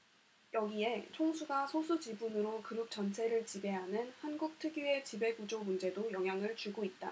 여기에 총수가 소수 지분으로 그룹 전체를 지배하는 한국 특유의 지배구조 문제도 영향을 주고 있다